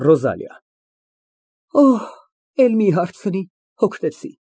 ՌՈԶԱԼԻԱ ֊ Օհ, էլ մի հարցնի, հոգնեցի։